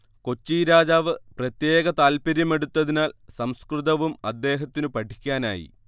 കൊച്ചിരാജാവ് പ്രത്യേക താൽപര്യമെടുത്തതിനാൽ സംസ്കൃതവും അദ്ദേഹത്തിനു പഠിക്കാനായി